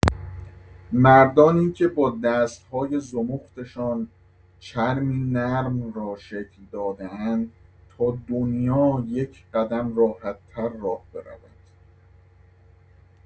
مردانی که با دست‌های زمختشان چرمی نرم را شکل داده‌اند تا دنیا یک‌قدم راحت‌تر راه برود.